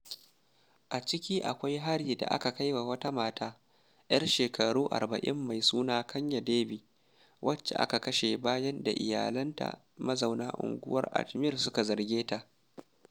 A ciki akwai hari da aka kai wa wata mata 'yar shekaru 40 mai suna Kanya Devi wacce aka kashe bayan da iyalanta mazauna unguwar Ajmer suka zarge ta.